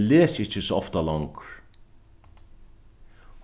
eg lesi ikki so ofta longur